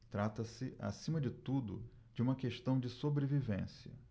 trata-se acima de tudo de uma questão de sobrevivência